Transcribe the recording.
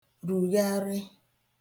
rùgharị